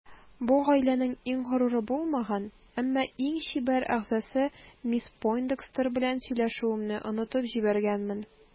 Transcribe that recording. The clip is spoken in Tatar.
Бу гаиләнең иң горуры булмаган, әмма иң чибәр әгъзасы мисс Пойндекстер белән сөйләшүемне онытып җибәргәнмен.